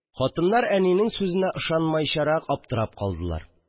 Хатыннар әнинең сүзенә ишанмыйчарак аптырап калдылар